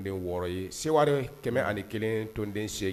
Wɔɔrɔ se kɛmɛ kelen ntonden